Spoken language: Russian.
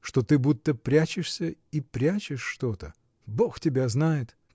— Что ты будто прячешься и прячешь что-то. Бог тебя знает!